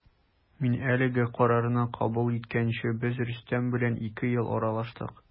Мин әлеге карарны кабул иткәнче без Рөстәм белән ике ел аралаштык.